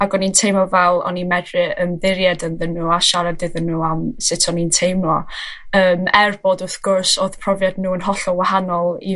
ag o'n i'n teimlo fel o'n i'n medru ymddiried ynddyn nhw a siarad iddyn nhw am sut o'n i'n teimlo ym, er bod, wrth gwrs, odd profiad nhw yn hollol wahanol i